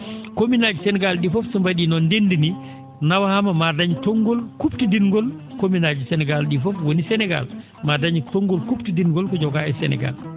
commune aji Sénégal ?i fof so mba?ii noon ndenndinii nawaama maa dañ konngol kuptidinngol commune aaji Sénégal ?ii fof ?um woni Sénégal maa dañ konngol kuptidinngol ko jogaa e Sénégal